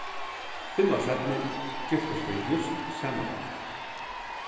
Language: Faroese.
fimm ár seinni giftust vit júst sama dag